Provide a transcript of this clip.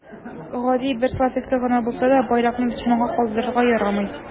Гади бер салфетка гына булса да, байракны дошманга калдырырга ярамый.